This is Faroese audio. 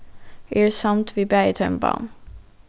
eg eri samd við bæði teimum báðum